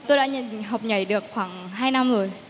tôi đã học nhảy được khoảng hai năm rồi